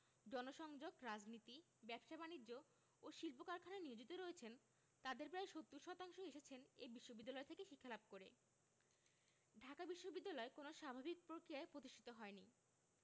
জনসংযোগ রাজনীতি ব্যবসা বাণিজ্য ও শিল্প কারখানায় নিয়োজিত রয়েছেন তাঁদের প্রায় ৭০ শতাংশ এসেছেন এ বিশ্ববিদ্যালয় থেকে শিক্ষালাভ করে ঢাকা বিশ্ববিদ্যালয় কোনো স্বাভাবিক প্রক্রিয়ায় প্রতিষ্ঠিত হয়নি